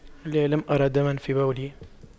لا لم أرى دما في بولي